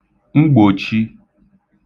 mgbòchī